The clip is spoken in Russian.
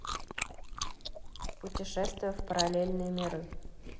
путешествие в параллельные миры